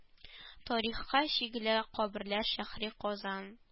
Тарихка чигелә каберләр шәһри казан